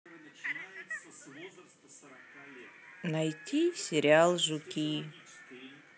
найти сериал жуки